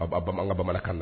A ban ka bamanankan na